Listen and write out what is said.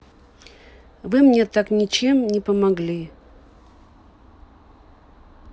вы мне так ничем не помогли